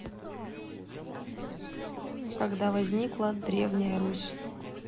когда возникла древняя русь